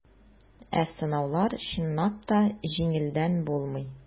Ә сынаулар, чынлап та, җиңелдән булмый.